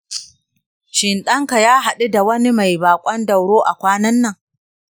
shin ɗanka ya haɗu da wani mai baƙondoro a kwanan nan?